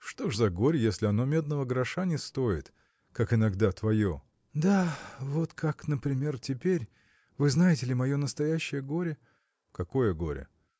– Что ж за горе, если оно медного гроша не стоит, как иногда твое?. – Да, вот как, например, теперь. Вы знаете ли мое настоящее горе? – Какое горе?